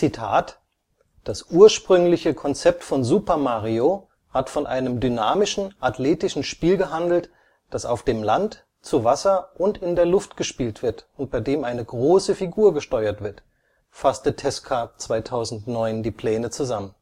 Das ursprüngliche Konzept von Super Mario [Bros.] hat von einem dynamischen, athletischen Spiel gehandelt, das auf dem Land, zu Wasser und in der Luft gespielt wird, und bei dem eine große Figur gesteuert wird “, fasste Tezuka 2009 die Pläne zusammen